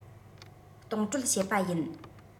གཏོང སྤྲོད བྱེད པ ཡིན